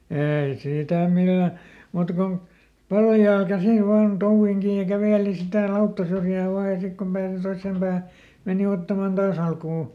ei sitä millään muuta kuin paljaalla käsillä vain touviin kiinni ja käveli sitä lauttasyrjää vain ja sitten kun pääsi toiseen päähän meni ottamaan taas alkua